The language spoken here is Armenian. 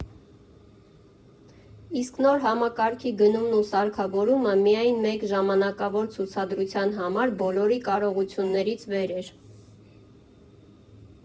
Իսկ նոր համակարգի գնումն ու սարքավորումը միայն մեկ ժամանակավոր ցուցադրության համար բոլորի կարողություններից վեր էր։